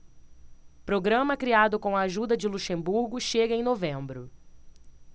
programa criado com a ajuda de luxemburgo chega em novembro